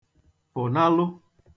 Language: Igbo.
̣pụnalụ